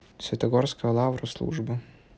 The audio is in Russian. святогорская лавра служба